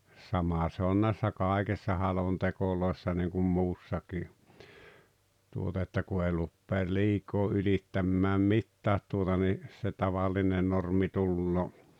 sama se on näissä kaikessa halonteoissa niin kuin muussakin tuota että kun ei rupea liikaa ylittämään mitään tuota niin se tavallinen normi tulee